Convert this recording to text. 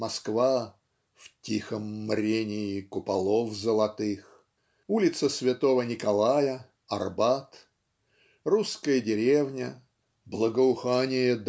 Москва в "тихом мрении куполов золотых" улица святого Николая Арбат русская деревня "благоухание